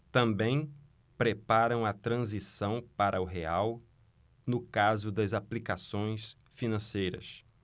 também preparam a transição para o real no caso das aplicações financeiras